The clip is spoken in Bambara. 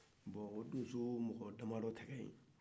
bon o donsow mɔgɔ damadɔ tɛkɛyen